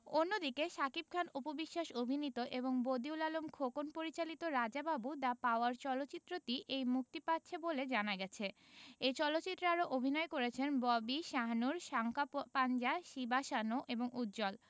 অন্যদিকে শাকিব খান অপু বিশ্বাস অভিনীত এবং বদিউল আলম খোকন পরিচালিত রাজা বাবু দ্যা পাওয়ার চলচ্চিত্রটি এই মুক্তি পাচ্ছে বলে জানা গেছে এ চলচ্চিত্রে আরও অভিনয় করেছেন ববি শাহনূর সাঙ্কাপাঞ্জা শিবা সানু এবং উজ্জ্বল